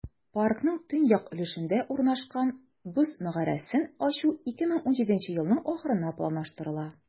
Паркның төньяк өлешендә урнашкан "Боз мәгарәсен" ачу 2017 елның ахырына планлаштырыла.